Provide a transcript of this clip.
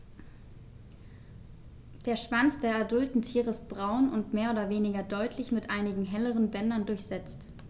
Der Schwanz der adulten Tiere ist braun und mehr oder weniger deutlich mit einigen helleren Bändern durchsetzt.